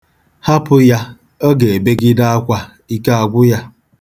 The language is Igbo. Hapụ ya, ọ ga-ebegide akwa ike agwụ ya.